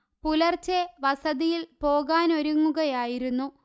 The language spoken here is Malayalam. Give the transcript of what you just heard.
പുലർച്ചെ വസതിയിൽ പോകാനൊരുങ്ങുകയായിരുന്നു